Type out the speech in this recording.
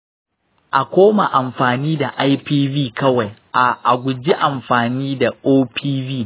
a koma amfani da ipv kawai. a a guji amfani da opv.